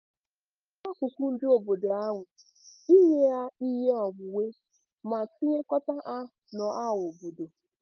Ma n'akụkụ ndị obodo ahụ, inye ha ihe onwunwe ma tinyekọta ha n'ọhaobodo.